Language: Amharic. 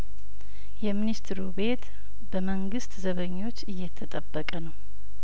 የሚኒስትሩ ቤት በመንግስት ዘበኞች እየተጠበቀ ነው